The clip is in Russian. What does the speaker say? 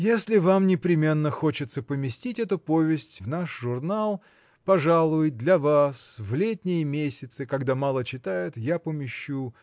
Если вам непременно хочется поместить эту повесть в наш журнал – пожалуй для вас в летние месяцы когда мало читают я помещу